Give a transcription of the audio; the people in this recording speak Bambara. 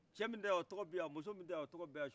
cɛ min bɛyan o tɔgɔ bɛyan muso min bɛyan o tɔgɔ beyan